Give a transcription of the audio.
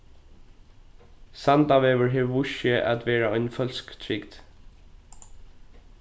sandavegur hevur víst seg at vera ein følsk trygd